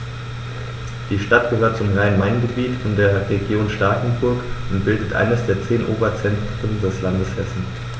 Die Stadt gehört zum Rhein-Main-Gebiet und der Region Starkenburg und bildet eines der zehn Oberzentren des Landes Hessen.